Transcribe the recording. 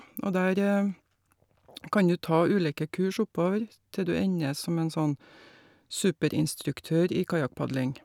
Og der kan du ta ulike kurs oppover til du ender som en sånn superinstruktør i kajakkpadling.